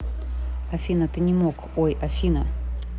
афина ты не мог ой афина